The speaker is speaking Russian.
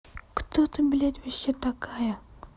ты кто блядь вообще такая